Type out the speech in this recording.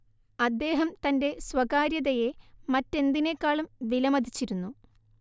അദ്ദേഹം തന്റെ സ്വകാര്യതയെ മറ്റെന്തിനേക്കാളും വിലമതിച്ചിരുന്നു